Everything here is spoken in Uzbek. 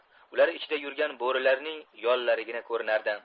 ular ichida yurgan bo'rilarning yollarigina ko'rinardi